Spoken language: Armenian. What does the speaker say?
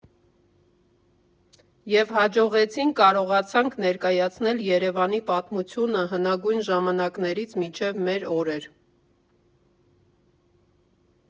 Եվ հաջողեցինք, կարողացանք ներկայացնել Երևանի պատմությունը՝ հնագույն ժամանակներից մինչև մեր օրեր։